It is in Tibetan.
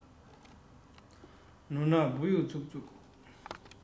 ནོར ནག བུ ཡུག ཚུབ ཚུབ